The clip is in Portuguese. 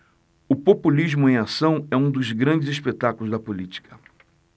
o populismo em ação é um dos grandes espetáculos da política